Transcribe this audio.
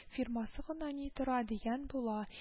Фирмасы гына ни тора, дигән була